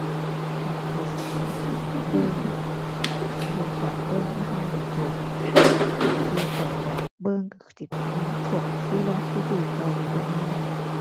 ข้อยก็สิหาหนังเบิ่ง หนังที่ข้อยเบิ่งบ่ทันได้จบ หนังที่ข้อยอยากเบิ่งที่มันพวกซีรงซีรีส์เกาหลีประมาณนี้แหละ